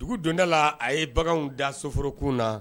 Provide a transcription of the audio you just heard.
Dugu donda la a ye baganw da soforokun na